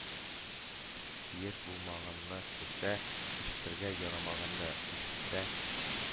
Тиеш булмаганны күрсә, ишетергә ярамаганны ишетсә,